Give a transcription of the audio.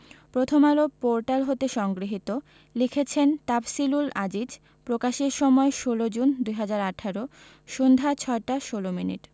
Prothom Alo portal হতে সংগৃহীত লিখেছেন তাফসিলুল আজিজ প্রকাশের সময় ১৬জুন ২০১৮ সন্ধ্যা ৬টা ১৬ মিনিট